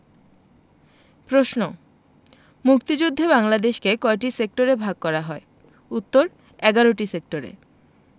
প্রশ্ন মুক্তিযুদ্ধে বাংলাদেশকে কয়টি সেক্টরে ভাগ করা হয় উত্তর ১১টি সেক্টরে